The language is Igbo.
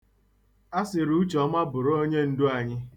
A sịrị Ucheọma bụrụ onye ndu anyị.